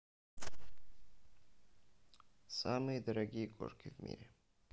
самые дорогие кошки в мире